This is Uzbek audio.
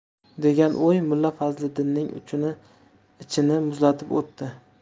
degan o'y mulla fazliddinning ichini muzlatib o'tdi